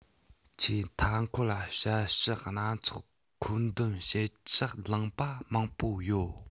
ཁྱེད མཐའ འཁོར ལ ཞབས ཞུ སྣ ཚོགས མཁོ འདོན བྱེད ཀྱི བླངས པ མང པོ ཡོད